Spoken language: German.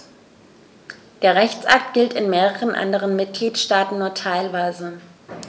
Der Rechtsakt gilt in mehreren anderen Mitgliedstaaten nur teilweise.